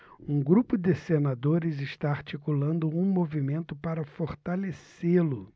um grupo de senadores está articulando um movimento para fortalecê-lo